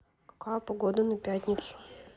какая погода на пятницу